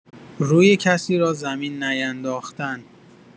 روی کسی را زمین نینداختن